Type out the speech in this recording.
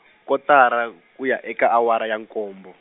kotara, ku ya eka awara ya nkombo.